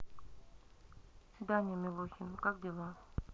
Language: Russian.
даня милохин как дела